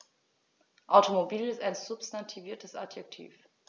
Automobil ist ein substantiviertes Adjektiv.